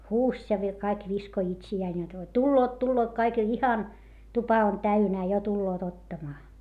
huusi ja - kaikki viskoi itseään jotta tulevat tulevat kaikki jo ihan tupa on täynnä jo tulevat ottamaan